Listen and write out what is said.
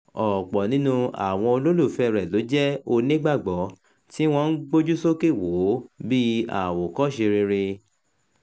Ọ̀pọ̀ nínú àwọn olólùfẹ́ẹ rẹ̀ l'ó jẹ́ Onígbàgbọ́, tí wọ́n ń gbójú sókè wò ó bí àwòkọ́ṣe rere.